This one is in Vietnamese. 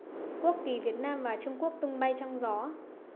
quốc kỳ việt nam và trung quốc tung bay trong gió